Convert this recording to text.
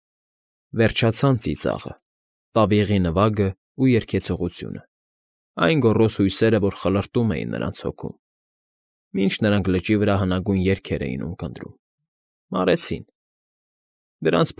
Վերջացան ծիծաղը, տավիղի նվագն ու երգեցողությունը, այն գոռոզ հույսերը, որ խլրտում էին նրանց հոգում, մինչև նրանք լճի վրա հնագույն երգեր էին ունկնդրում, մարեցին, դրանց։